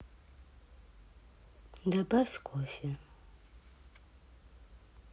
добавь кофе